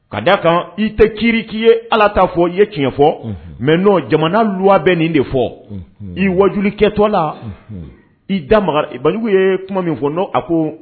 Ka d' a kan i tɛ kiiriri k'i ye ala ta fɔ ye tiɲɛ fɔ mɛ jamana luwa bɛ nin de fɔ i waju kɛ tɔ la i dajugu ye kuma min fɔ n' a ko